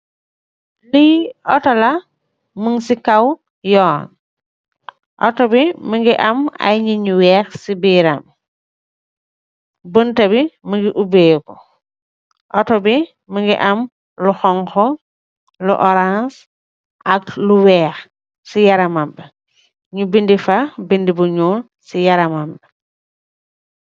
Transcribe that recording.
Lee otu la mug se kaw yonn otu be muge am aye neete nu weehe se biram bounta be muge obeh ku otu be muge am lu hauhu, lu orance ak lu weehe se yaramam be nu beda fa beda bu njol se yaramam be.